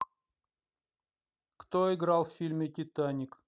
кто играл в фильме титаник